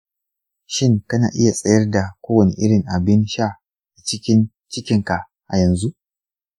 shin kana iya tsayar da kowane irin abin sha a cikin cikinka a yanzu?